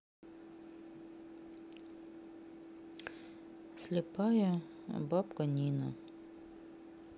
слепая бабка нина